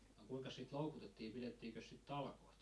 no kuinkas sitä loukutettiin pidettiinkös sitten talkoita